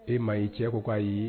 E maa ɲi cɛ ko k' ayi ye